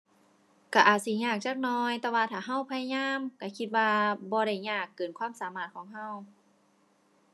ก็อาจสิยากจักหน่อยแต่ว่าถ้าก็พยายามก็คิดว่าบ่ได้ยากเกินความสามารถของก็